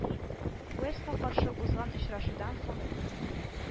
Уэльска каршы узган очрашудан соң